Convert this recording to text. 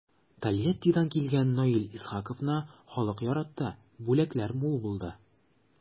Тольяттидан килгән Наил Исхаковны халык яратты, бүләкләр мул булды.